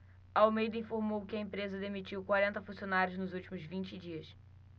almeida informou que a empresa demitiu quarenta funcionários nos últimos vinte dias